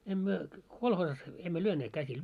en me kolhoosissa emme lyöneet käsillä